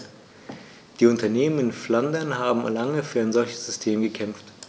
Die Unternehmen in Flandern haben lange für ein solches System gekämpft.